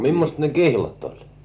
mimmoiset ne kihlat oli